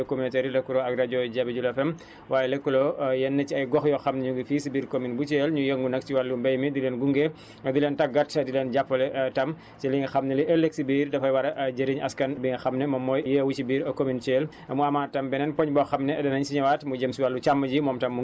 waaye lëkkaloo ak waa ISRA ak nga xam ne tam dafa lëkkaloo ak rajo communautaire yi lëkkaloo ak rajo Jabi jula FM waaye lëkkaloo ak yenn ci ay gox yoo xam ñu ngi fii si biir commune bu Thiel ñuy yëngu nag ci wàllum mbéy mi di leen gunge di leen tàggat di leen jàppale tam ci li nga xam ne ëllëg si biir dafay war a jëriñ askan bi nga xam ne moom mooy yeewu si biir commune Thiel